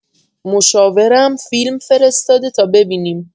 مشاورم فیلم فرستاده تا ببینیم